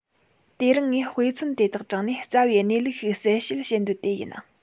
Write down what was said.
དེ རིང ངས དཔེ མཚོན དེ དག དྲངས ནས རྩ བའི གནས ལུགས ཤིག གསལ བཤད བྱེད འདོད དེ ཡིན